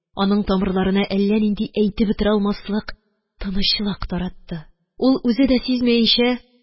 Аның тамырларына әллә нинди әйтеп бетерә алмаслык тынычлык таратты. Ул, үзе дә сизмәенчә